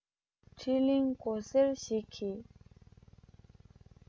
ཕྱི གླིང མགོ སེར ཞིག གིས